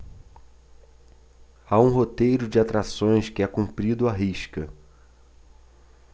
há um roteiro de atrações que é cumprido à risca